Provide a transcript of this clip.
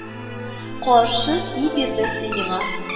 Каршы ни бирдең син миңа